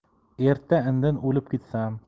erta indin o'lib ketsam